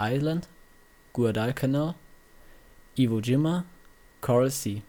Island Guadalcanal Iwo Jima Coral Sea